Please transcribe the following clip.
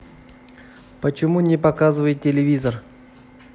почему не показывает телевизор